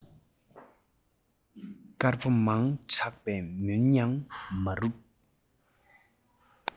དཀར པོ མང དྲགས པས མུན ཡང མ རུབ